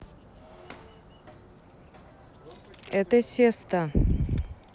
это sesto